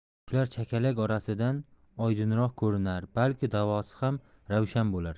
shular chakalak orasidan oydinroq ko'rinar balki davosi ham ravshan bo'lar